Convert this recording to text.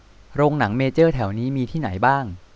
โรงหนังเมเจอร์แถวนี้มีที่ไหนบ้าง